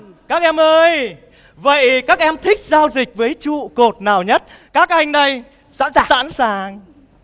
các em ơi vậy các em thích giao dịch với trụ cột nào nhất các anh đây sẵn sàng sẵn sàng